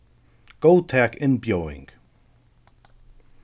góðtak innbjóðing